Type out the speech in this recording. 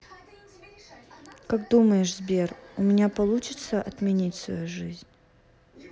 как думаешь сбер у меня получится отменить свою жизнь